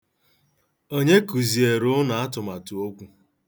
Onye kụziere unu atụmatụokwu?